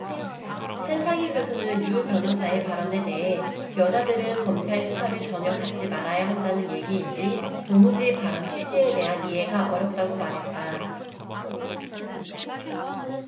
한상희 교수는 유 변호사의 발언에 대해 여자들은 검찰수사를 전혀 받지 말아야 한다는 얘기인지 도무지 발언 취지에 대한 이해가 어렵다고 말했다